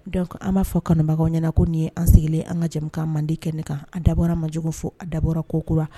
Dɔnkuc an b'a fɔ kanubagaw ɲɛna ko nin an sigilen an ka jamana ka mande kɛ kan a dabɔra majugu fo a dabɔra kokura